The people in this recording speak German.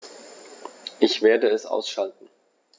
Ich werde es ausschalten